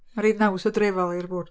Ma'n rhoi naws hydrefol i'r bwrdd.